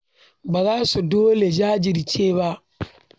Ba za su dole jajirce ba.